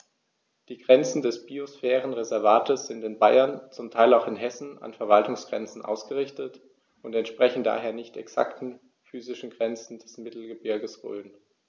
Die Grenzen des Biosphärenreservates sind in Bayern, zum Teil auch in Hessen, an Verwaltungsgrenzen ausgerichtet und entsprechen daher nicht exakten physischen Grenzen des Mittelgebirges Rhön.